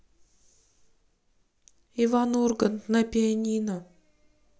иван ургант на пианино